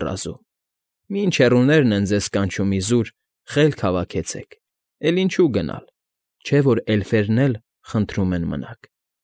Վռազում, Մինչև հեռուներն են Ձեզ կանչում իզուր, Խելք հավաքեցեք, Էլ ինչո՞ւ գնալ, Չէ որ էլֆերն էլ Խնդրում են մնաք։